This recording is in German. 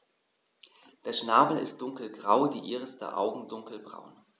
Der Schnabel ist dunkelgrau, die Iris der Augen dunkelbraun.